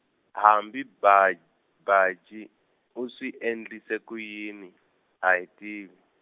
hambi ba Baji u swi endlise ku yini, a hi tivi.